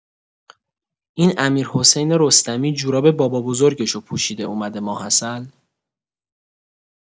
این امیر حسین رستمی جوراب بابابزرگشو پوشیده اومده ماه‌عسل؟